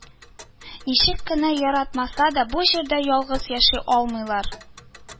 Ничек кенә яратмаса да, бу җирдә ялгыз яши алмыйлар